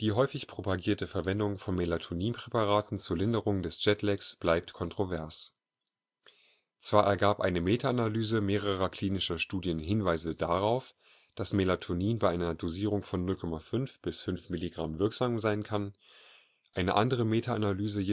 häufig propagierte Verwendung von Melatonin-Präparaten zur Linderung des Jetlags bleibt kontrovers. Zwar ergab eine Metaanalyse mehrerer klinischer Studien Hinweise darauf, dass Melatonin in einer Dosierung von 0,5 – 5 mg wirksam sein kann, eine andere Metaanalyse